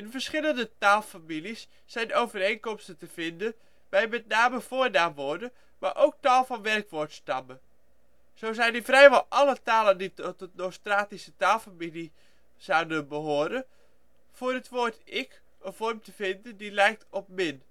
verschillende taalfamilies zijn overeenkomsten te vinden bij met name voornaamwoorden, maar ook tal van werkwoordstammen. Zo zijn in vrijwel alle talen die tot de Nostratische taalfamilie (zouden) behoren voor het woord ik een vorm te vinden die lijkt op min